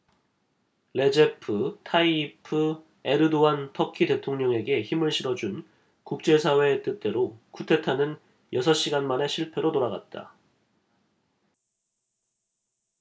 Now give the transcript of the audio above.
레제프 타이이프 에르도안 터키 대통령에게 힘을 실어준 국제사회의 뜻대로 쿠데타는 여섯 시간 만에 실패로 돌아갔다